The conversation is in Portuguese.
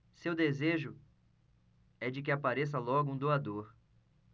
seu desejo é de que apareça logo um doador